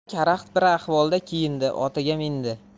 u karaxt bir ahvolda kiyindi otiga mindi